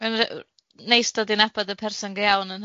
Mae'n w- neis dod i'n nabod y person go iawn yn